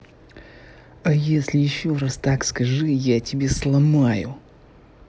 а если еще раз так скажи я тебе сломаю